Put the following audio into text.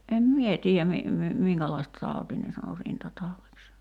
en minä tiedä -- minkälaista tautia ne sanoi rintataudiksi